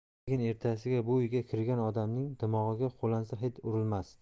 lekin ertasiga bu uyga kirgan odamning dimog'iga qo'lansa hid urilmasdi